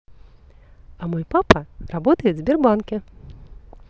а мой папа работает в сбербанке